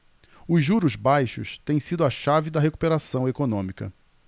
os juros baixos têm sido a chave da recuperação econômica